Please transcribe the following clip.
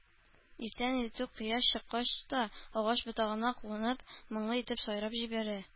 Иртән-иртүк, кояш чыккач та, агач ботагына кунып моңлы итеп сайрап җибәрә